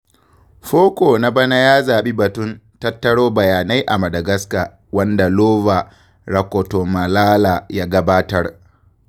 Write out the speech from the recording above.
Foko na bana ya zaɓi batun '' Tattaro bayanai a Madagascar', wanda Lova Rakotomalala ya gabatar.